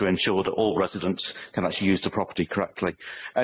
to ensure that all residents can actually use the property correctly.